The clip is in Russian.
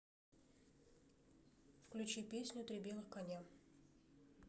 включи песню три белых коня